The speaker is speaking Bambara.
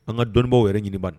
An ka dɔnnibaaw yɛrɛ ɲini banni